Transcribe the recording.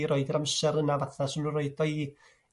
i roid yr amser yna fath a swn nhw'n roid o i